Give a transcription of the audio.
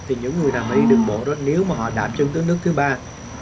thì những người nào mà đi đường bộ đó nếu mà họ đặt chân tới nước thứ ba